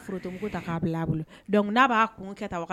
Kun